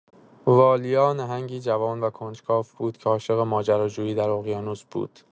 والیا نهنگی جوان و کنجکاو بود که عاشق ماجراجویی در اقیانوس بود.